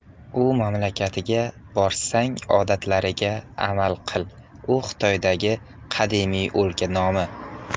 u mamlakatiga borsang odatlariga amal qil u xitoydagi qadimiy o'lka nomi